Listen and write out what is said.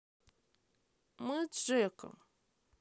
мы с джеком